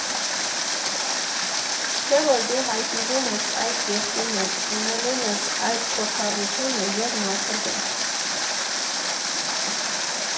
Չէ՞ որ դու հայտնվում ես այդ կեղտի մեջ, ունենում ես այդ փորձառությունը և մաքրվում։